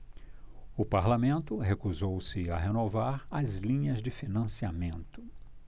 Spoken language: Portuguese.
o parlamento recusou-se a renovar as linhas de financiamento